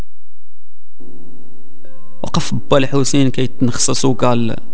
وقف بالحوثيين